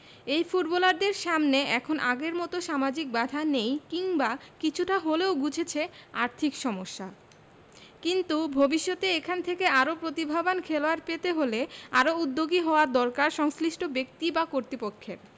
এই ফুটবলারদের সামনে এখন আগের মতো সামাজিক বাধা নেই কিংবা কিছুটা হলেও ঘুচেছে আর্থিক সমস্যা কিন্তু ভবিষ্যতে এখান থেকে আরও প্রতিভাবান খেলোয়াড় পেতে হলে আরও উদ্যোগী হওয়া দরকার সংশ্লিষ্ট ব্যক্তি বা কর্তৃপক্ষের